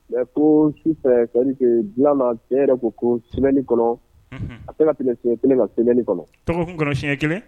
Mɛ ko su ka dilan bɛɛ yɛrɛ ko ko syɛnɛnin kɔnɔ a tɛnaɲɛ kelen ka sinɲɛni kɔnɔ kɔnɔ siɲɛ kelen